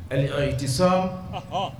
Al iitisɔm